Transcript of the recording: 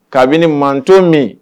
Kabini manto min